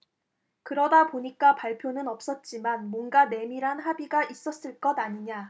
그러다 보니까 발표는 없었지만 뭔가 내밀한 합의가 있었을 것 아니냐